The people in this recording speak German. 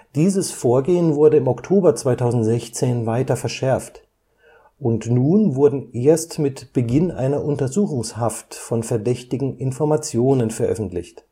Dieses Vorgehen wurde im Oktober 2016 weiter verschärft, und nun wurden erst mit Beginn einer Untersuchungshaft von Verdächtigen Informationen veröffentlicht